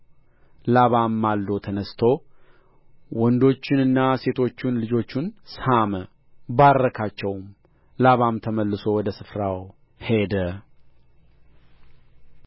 ላባም ማልዶ ተነሥቶ ወንዶቹንና ሴቶቹን ልጆቹን ሳመ ባረካቸውም ላባም ተመልሶ ወደ ስፍራው ሄደ